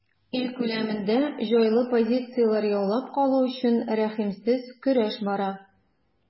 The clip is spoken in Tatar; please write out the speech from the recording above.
Ил күләмендә җайлы позицияләр яулап калу өчен рәхимсез көрәш бара.